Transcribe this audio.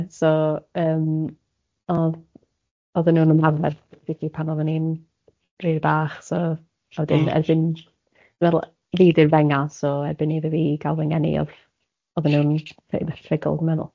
Ie, so yym odd oedden nhw'n ymarfer basically pan oedden ni'n rili bach so a wedyn erbyn dwi'n meddwl fi di'r fenga so erbyn iddo fi gael fy ngeni odd oedden nhw'n pretty much rhygl dwi'n meddwl.